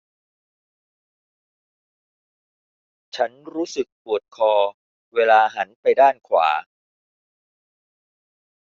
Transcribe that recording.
ฉันรู้สึกปวดคอเวลาหันไปด้านขวา